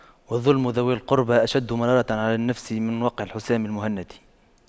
وَظُلْمُ ذوي القربى أشد مرارة على النفس من وقع الحسام المهند